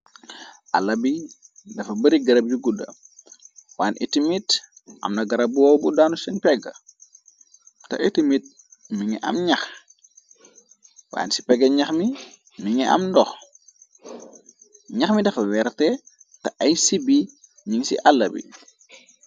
Alla bi dafa bari garab yu gudda waan iti mit amna garabboo bu daanu seen pegg te iti mit mi ngi am ñax waan ci pega ñax mi mi ngi am ndox ñax mi daxal weerte te ay sibi ñin ci àlla bi.